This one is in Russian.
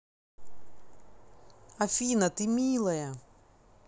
афина ты милая